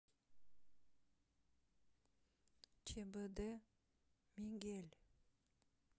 чбд мигель